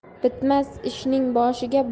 bitmas ishning boshiga